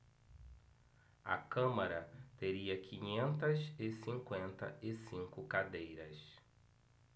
a câmara teria quinhentas e cinquenta e cinco cadeiras